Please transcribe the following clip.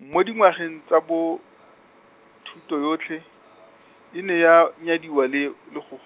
mo dingwageng tsa bo, thuto yotlhe, e ne ya, nyadiwa le, le go,